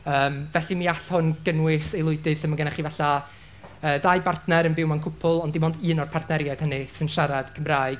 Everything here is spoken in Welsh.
yym felly, mi all hwn gynnwys aelwydydd lle ma' gennych chi falle yy dau bartner yn byw mewn cwpwl, ond dim ond un o'r partneriaid hynny sy'n siarad Cymraeg.